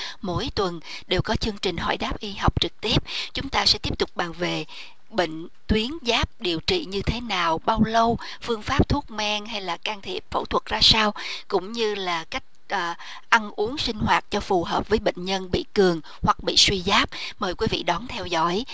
mỗi tuần đều có chương trình hỏi đáp y học trực tiếp chúng ta sẽ tiếp tục bàn về bệnh tuyến giáp điều trị như thế nào bao lâu phương pháp thuốc men hay là can thiệp phẫu thuật ra sao cũng như là cách ăn uống sinh hoạt cho phù hợp với bệnh nhân bị cường hoặc bị suy giáp mời quý vị đón theo dõi